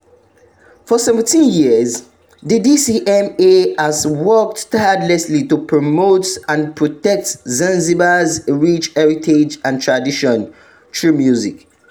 For 17 years, the DCMA has worked tirelessly to promote and protect Zanzibar’s rich heritage and traditions through music.